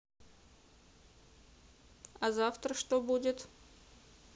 а завтра что будет